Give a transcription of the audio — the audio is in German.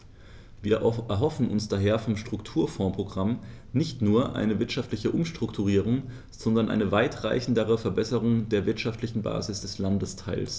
Wir erhoffen uns daher vom Strukturfondsprogramm nicht nur eine wirtschaftliche Umstrukturierung, sondern eine weitreichendere Verbesserung der wirtschaftlichen Basis des Landesteils.